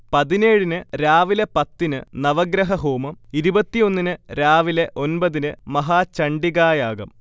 പതിനേഴിന് രാവിലെ പത്തിന് നവഗ്രഹഹോമം, ഇരുപത്തിയൊന്നിന് രാവിലെ ഒൻപതിന് മഹാചണ്ഡികായാഗം